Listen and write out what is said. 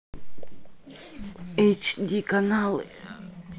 эйч ди каналы